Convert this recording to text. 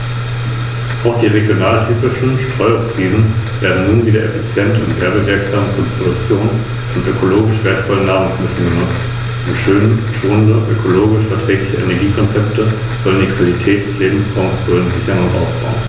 Die Stacheligel haben als wirksame Verteidigungswaffe Stacheln am Rücken und an den Flanken (beim Braunbrustigel sind es etwa sechs- bis achttausend).